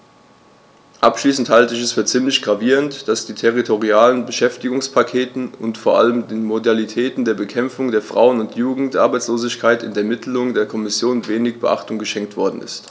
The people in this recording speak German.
Abschließend halte ich es für ziemlich gravierend, dass den territorialen Beschäftigungspakten und vor allem den Modalitäten zur Bekämpfung der Frauen- und Jugendarbeitslosigkeit in der Mitteilung der Kommission wenig Beachtung geschenkt worden ist.